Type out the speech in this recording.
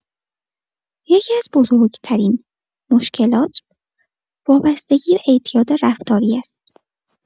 یکی‌از بزرگ‌ترین مشکلات، وابستگی و اعتیاد رفتاری است.